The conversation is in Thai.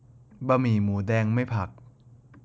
บะหมี่หมูแดงไม่ผัก